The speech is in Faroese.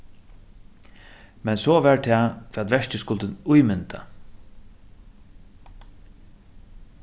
men so var tað hvat verkið skuldi ímynda